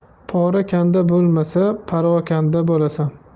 pora kanda bo'lmasa parokanda bo'lasan